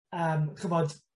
yym ch'mod